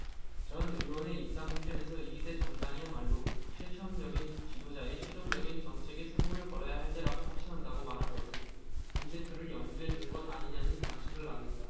진 의원이 입당 회견에서 이 시대 정당이야말로 실천적인 지도자의 실용적인 정책에 승부를 걸어야 할 때라고 확신한다고 말한 것은 김 대표를 염두에 둔 것 아니냐는 관측을 낳는다